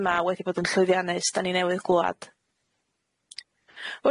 yma wedi bod yn llwyddiannus 'dan ni newydd glwad.